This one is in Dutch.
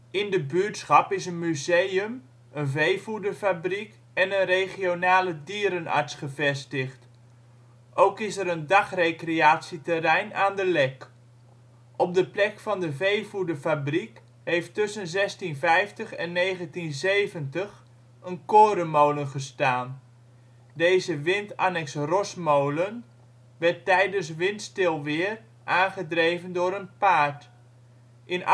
In de buurtschap is een museum, een veevoederfabriek en een regionale dierenarts gevestigd. Ook is er een dagrecreatieterrein aan de Lek. Op de plek van de veevoederfabriek heeft tussen 1650 en 1970 een korenmolen gestaan. Deze wind annex rosmolen werd tijdens windstil weer aangedreven door een paard. In